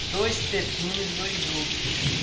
dos pepinos dos outros